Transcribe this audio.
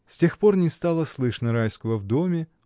С тех пор не стало слышно Райского в доме